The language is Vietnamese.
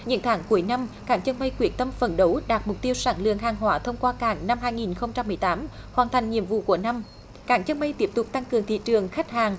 những tháng cuối năm cảng chân mây quyết tâm phấn đấu đạt mục tiêu sản lượng hàng hóa thông qua cảng năm hai nghìn không trăm mười tám hoàn thành nhiệm vụ của năm cảng chân mây tiếp tục tăng cường thị trường khách hàng